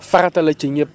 farata la ci ñëpp